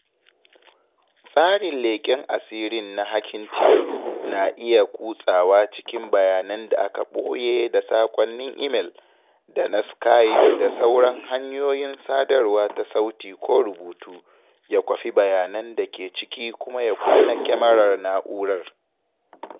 Tsarin leƙen asirin na @hackingteam na iya kutsawa cikin bayanan da aka ɓoye da saƙonnin imel da na Skype da sauran hanyoyin sadarwa ta sauti ko rubutu, ya kwafi bayanan da ke ciki kuma ya kunna kyamarar na’urar.